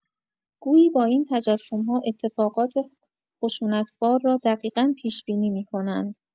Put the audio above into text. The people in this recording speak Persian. گویی با این تجسم‌ها اتفاقات خشونت‌بار را دقیقا پیش‌بینی می‌کنند.